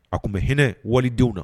A tun bɛ hinɛ walidenw na